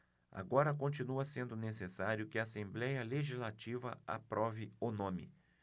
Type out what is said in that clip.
agora continua sendo necessário que a assembléia legislativa aprove o nome